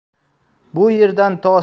bu yerdan to